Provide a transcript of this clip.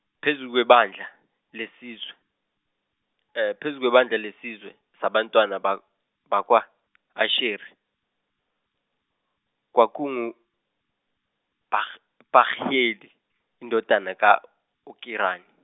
phezu kwebandla lesizwe phezu kwebandla lesizwe sabantwana ba- bakwa Asheri, kwakungu, Pagiyeli, indodana ka- Okerani.